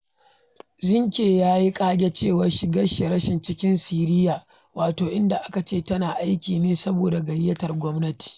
Zinke ya yi ƙage cewa shigar Rasha cikin Siriya - wato, inda aka ce tana aiki ne saboda gayyatar da gwamnatin da aka sani ta yi mata - wani shaci-faɗi ne na neman gano sababbin kasuwannin makamashi.